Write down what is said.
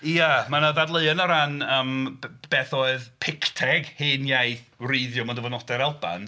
Ia ma' 'na ddadleuon o ran yym b- b- beth oedd Picteg, hen iaith wreiddiol, mewn dyfynodau, yr Alban.